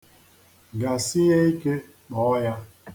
Gasie ike kpọọ ya.